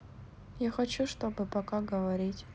я хочу чтобы пока поговорить